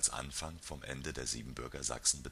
Anfang vom Ende der Siebenbürger Sachsen